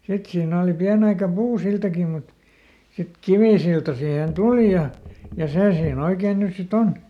sitten siinä oli pieni aika puusiltakin mutta sitten kivisilta siihen tuli ja ja se siinä oikein nyt sitten on